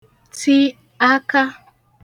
ti aka